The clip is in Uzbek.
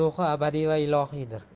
ruhi abadiy va ilohiydir